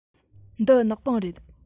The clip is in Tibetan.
འདི ནག པང རེད